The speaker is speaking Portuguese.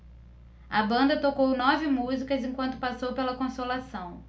a banda tocou nove músicas enquanto passou pela consolação